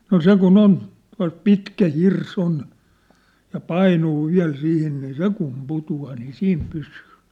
no se kun on tuolta pitkä hirsi on ja painuu vielä siihen niin se kun putoaa niin siinä pysyy